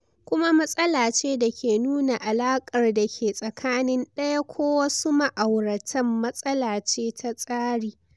Kuma matsala ce da ke nuna alaƙar da ke tsakanin ɗaya ko wasu ma'auratan - matsala ce ta tsari.